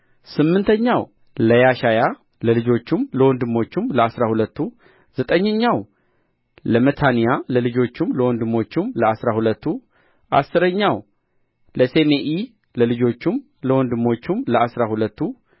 ስምንተኛው ለየሻያ ለልጆቹም ለወንድሞቹም ለአሥራ ሁለቱ ዘጠኝኛው ለመታንያ ለልጆቹም ለወንድሞቹም ለአሥራ ሁለቱ አሥረኛው ለሰሜኢ ለልጆቹም ለወንድሞቹም ለአሥራ ሁለቱ